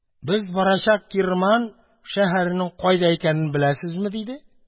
Без барачак Кирман шәһәренең кайда икәнен беләсезме? – диде.